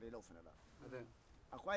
ka taa cɛlala